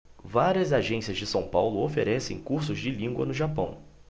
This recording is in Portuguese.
várias agências de são paulo oferecem cursos de língua no japão